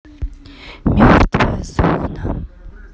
мертвая зона